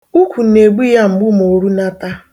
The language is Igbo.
Ukwu na egbu ya mgbu ma o runata